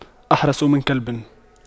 أحرس من كلب